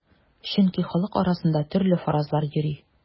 Чөнки халык арасында төрле фаразлар йөри.